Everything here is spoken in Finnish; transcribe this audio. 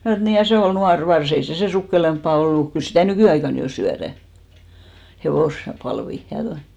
minä sanoin että niin ja se oli nuori varsa ei se sen sukkelampaa ollut kyllä sitä nykyaikana jo syödään - hevospalvia ja tuo noin